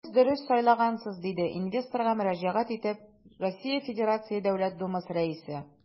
Сез дөрес сайлагансыз, - диде инвесторга мөрәҗәгать итеп РФ Дәүләт Думасы Рәисе.